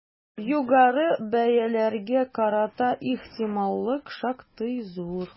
Югары бәяләргә карата ихтималлык шактый зур.